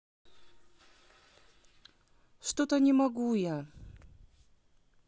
что то не могу я